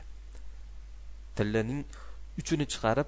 tilining uchini chiqarib